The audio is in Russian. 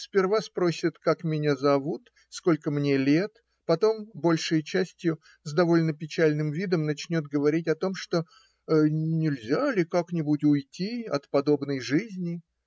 Сперва спросит, как меня зовут, сколько мне лет, потом, большей частью с довольно печальным видом, начнет говорить о том, что "нельзя ли как-нибудь уйти от подобной жизни?".